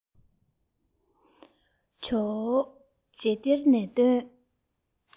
ཇོ བོ རྫེས གཏེར ནས བཏོན